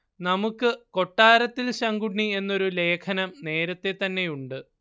നമുക്ക് കൊട്ടാരത്തിൽ ശങ്കുണ്ണി എന്നൊരു ലേഖനം നേരത്തേ തന്നെ ഉണ്ട്